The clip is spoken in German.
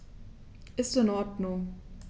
Ist in Ordnung.